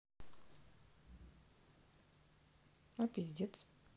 а пиздец